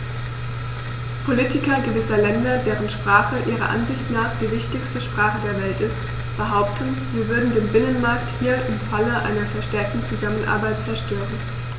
Politiker gewisser Länder, deren Sprache ihrer Ansicht nach die wichtigste Sprache der Welt ist, behaupten, wir würden den Binnenmarkt hier im Falle einer verstärkten Zusammenarbeit zerstören.